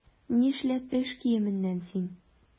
Нишләп эш киеменнән син?